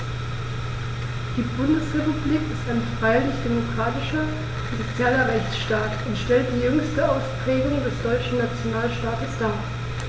Die Bundesrepublik ist ein freiheitlich-demokratischer und sozialer Rechtsstaat und stellt die jüngste Ausprägung des deutschen Nationalstaates dar.